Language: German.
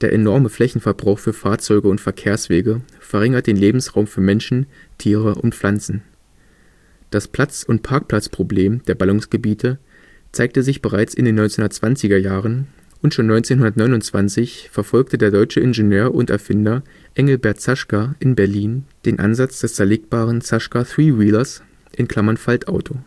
enorme Flächenverbrauch für Fahrzeuge und Verkehrswege verringert den Lebensraum für Menschen, Tiere und Pflanzen. Das Platz - und Parkplatzproblem der Ballungsgebiete zeigte sich bereits in den 1920er Jahren und schon 1929 verfolgte der deutsche Ingenieur und Erfinder Engelbert Zaschka in Berlin den Ansatz des zerlegbaren Zaschka-Threewheelers (Faltauto